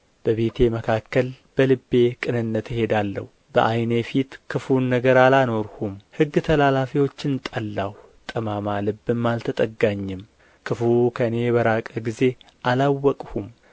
በቤቴ መካከል በልቤ ቅንነት እሄዳለሁ በዓይኔ ፊት ክፉን ነገር አላኖርሁም ሕግ ተላላፊዎችን ጠላሁ ጠማማ ልብም አልተጠጋኝም ክፉ ከእኔ በራቀ ጊዜ አላወቅሁም